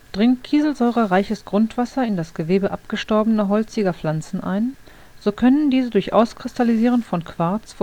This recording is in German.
Dringt Kieselsäure-reiches Grundwasser in das Gewebe abgestorbener, holziger Pflanzen ein, so können diese durch Auskristallisieren von Quarz